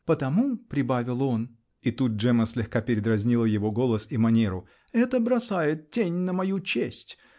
"Потому, -- прибавил он, -- и тут Джемма слегка передразнила его голос и манеру, -- это бросает тень на мою честь